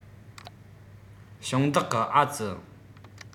ཞིང བདག གི ཨ ཙི